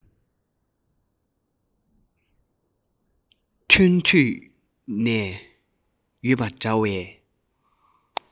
ཐོན དུས ནས ཡོད པ འདྲ བས